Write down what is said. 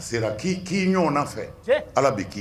A sera k'i k'i ɲɔgɔn fɛ ala bɛ'i